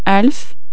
ألف